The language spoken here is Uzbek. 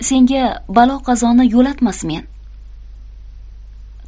senga balo qazoni yo'latmasmen